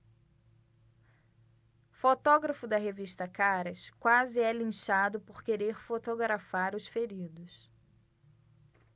fotógrafo da revista caras quase é linchado por querer fotografar os feridos